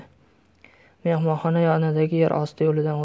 mehmonxona yonidagi yer osti yo'lidan o'tib